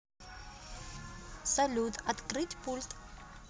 салют открыть пульт